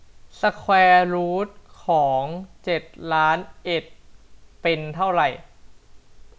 สแควร์รูทของเจ็ดล้านเอ็ดเป็นเท่าไหร่